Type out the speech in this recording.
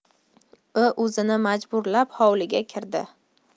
u o'zini majburlab hovliga kirdi